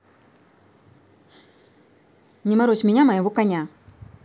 не морозь меня моего коня